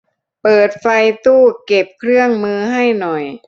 เปิดไฟตู้เก็บเครื่องมือให้หน่อย